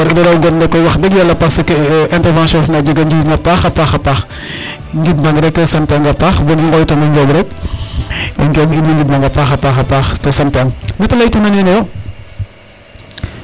war iro raw gon le koy wax deg yala parce que intervention of ne a jega o njiriñ a paxa paxa paax ngid mang rek sant ang a paax bon i ngoytongo Ndiob rek o Njob in way ngid manga a paxa paxa paax to sant ang nete ley tuna nene yo